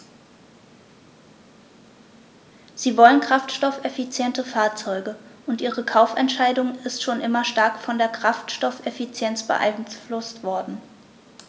Sie wollen kraftstoffeffiziente Fahrzeuge, und ihre Kaufentscheidung ist schon immer stark von der Kraftstoffeffizienz beeinflusst worden.